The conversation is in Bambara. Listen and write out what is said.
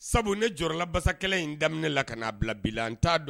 Sabu ne jɔrɔ la basakɛla in daminɛ la ka n'a bila bila n t'a dɔn.